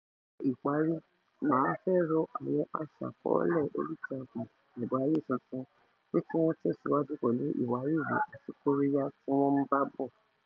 Ní ìparí, màá fẹ́ rọ àwọn aṣàkọọ́lẹ̀ oríìtakùn àgbáyé tuntun pé kí wọ́n tẹ̀síwájú pẹ̀lú ìwárìrì àti kóríyá tí wọ́n ń bá bọ̀.